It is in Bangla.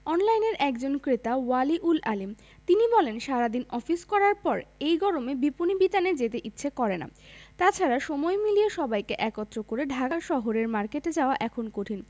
অনলাইনের একজন ক্রেতা ওয়ালি উল আলীম তিনি বলেন সারা দিন অফিস করার পর এই গরমে বিপণিবিতানে যেতে ইচ্ছে করে না তা ছাড়া সময় মিলিয়ে সবাইকে একত্র করে ঢাকা শহরের মার্কেটে যাওয়া এখন কঠিন